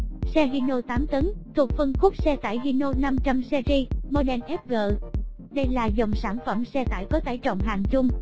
xe hino tấn thuộc phân khúc xe tải hino series model fg đây là dòng sản phẩm xe tải có tải trọng hạng trung